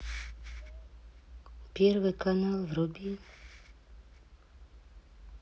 первый канал вруби